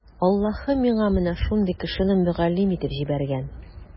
Аллаһы миңа менә шундый кешене мөгаллим итеп җибәргән.